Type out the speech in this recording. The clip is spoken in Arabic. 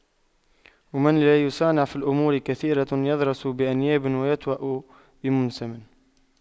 ومن لا يصانع في أمور كثيرة يضرس بأنياب ويوطأ بمنسم